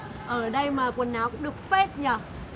ở đây mà quần áo cũng được phết nhở